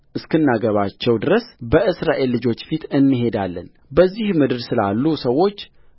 እስክናገባቸው ድረስ በእስራኤል ልጆች ፊት እንሄዳለን በዚህም ምድር ስላሉ ሰዎች